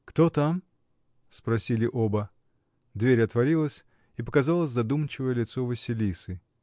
— Кто там? — спросили оба. Дверь отворилась, и показалось задумчивое лицо Василисы.